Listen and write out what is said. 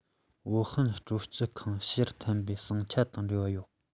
ཝུའུ ཧན སྤྲོ སྐྱིད ཁང ཕྱིར འཐེན པའི ཟིང ཆ དང འབྲེལ བ ཡོད